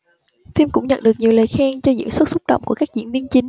phim cũng nhận được nhiều lời khen cho diễn xuất xúc động của các diễn viên chính